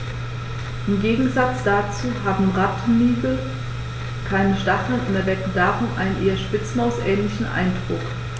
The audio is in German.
Im Gegensatz dazu haben Rattenigel keine Stacheln und erwecken darum einen eher Spitzmaus-ähnlichen Eindruck.